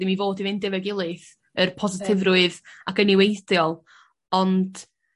ddim i fod i fynd efo'i gilydd yr positifrwydd ac y niweidiol ond